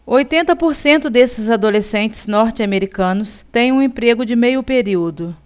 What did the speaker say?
oitenta por cento desses adolescentes norte-americanos têm um emprego de meio período